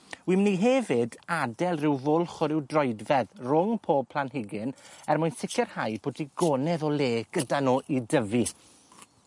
W myn' i hefyd ad'el ryw fwlch o ryw droedfedd rwng pob planhigyn er mwyn sicirhau bod digonedd o le gyda n'w i dyfu.